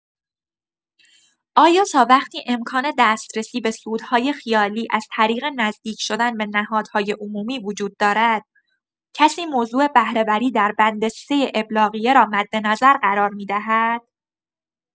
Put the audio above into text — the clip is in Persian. آیا تا وقتی امکان دسترسی به سودهای خیالی از طریق نزدیک‌شدن به نهادهای عمومی وجود دارد، کسی موضوع بهره‌وری دربند ۳ ابلاغیه را مد نظر قرار می‌دهد؟